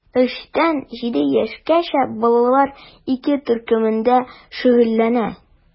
3 тән 7 яшькәчә балалар ике төркемдә шөгыльләнә.